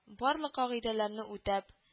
Барлык кагыйдәләрне үтәп